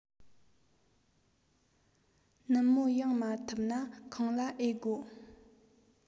ནུབ མོ ཡོང མ ཐུབ ན ཁང གླ ཨེ དགོ